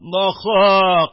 Нахак